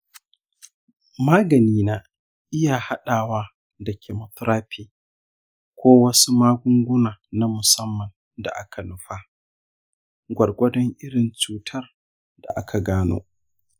magani na iya haɗawa da chemotherapy ko wasu magunguna na musamman da aka nufa, gwargwadon irin cutar da aka gano.